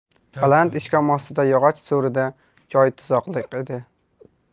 baland ishkom ostidagi yog'och so'rida joy tuzoqlik edi